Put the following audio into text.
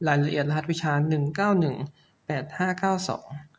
รายละเอียดรหัสวิชาหนึ่งเก้าหนึ่งแปดห้าเก้าสอง